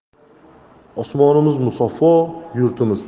osmonimiz musaffo yurtimiz